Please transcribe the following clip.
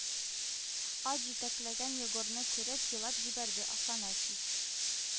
Ат җитәкләгән Егорны күреп елап җибәрде Афанасий: